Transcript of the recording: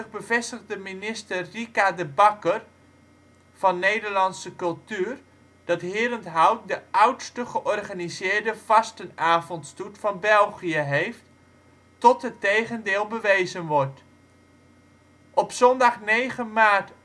bevestigde minister Rika De Backer van Nederlandse cultuur dat Herenthout de oudste georganiseerde Vastenavondstoet van België heeft tot het tegendeel bewezen wordt. Op zondag 9 maart